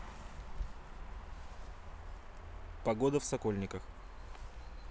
погода в сокольниках